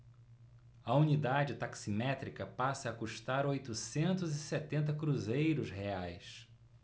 a unidade taximétrica passa a custar oitocentos e setenta cruzeiros reais